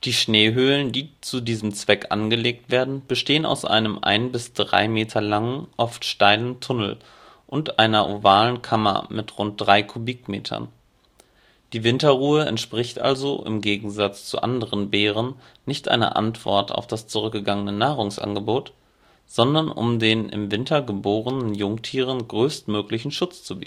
Schneehöhlen, die zu diesem Zweck angelegt werden, bestehen aus einem 1 bis 3 Meter langen, oft steilen Tunnel und einer ovalen Kammer mit rund 3 Kubikmetern. Die Winterruhe entspricht also im Gegensatz zu anderen Bären nicht einer Antwort auf das zurückgegangene Nahrungsangebot, sondern um den im Winter geborenen Jungtieren größtmöglichen Schutz zu